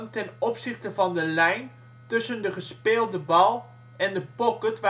ten opzichte van de lijn tussen de gespeelde bal en de pocket